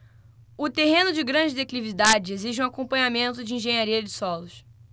o terreno de grande declividade exige um acompanhamento de engenharia de solos